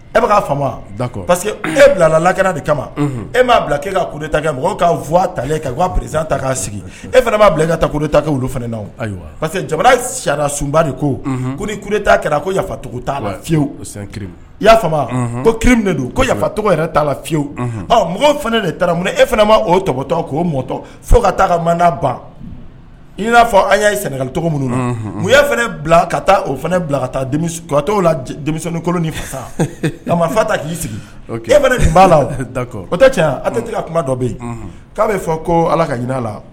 E fa pa que e bilala lakra de kama e m'a bila e ka kun ta mɔgɔ ka f tale kaere ta' sigi e fana b'a bila ka ta ta fanana ayiwa pa que jamanara sunba de ko ko'a kɛra ko yafacogo fiyewu i y'a fa ko ki de don ko yafa tɔgɔ yɛrɛ t' la fiyewu mɔgɔ fana de ta mun e fana ma o tɔgɔtɔ k'o mɔtɔ fo ka taa ka mada ban in n'a fɔ a y'a ye sɛnɛkalicogo minnu mu' fana ka taa o fana bila katɔ la denmisɛnninkolon fa sa ya fa k'i sigi ke nin la ca tɛ ka kuma dɔ bɛ yen k'a bɛ fɔ ko ala ka la